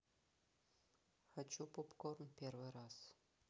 хочу поп корн первый раз